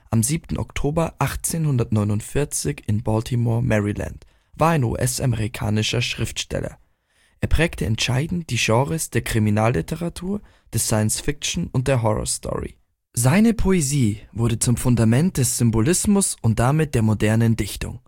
† 7. Oktober 1849 in Baltimore, Maryland) war ein US-amerikanischer Schriftsteller. Er prägte entscheidend die Genres der Kriminalliteratur, der Science Fiction und der Horrorstory. Seine Poesie wurde zum Fundament des Symbolismus und damit der modernen Dichtung